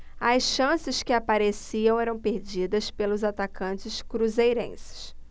as chances que apareciam eram perdidas pelos atacantes cruzeirenses